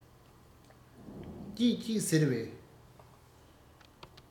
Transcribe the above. སྐྱིད སྐྱིད ཟེར བས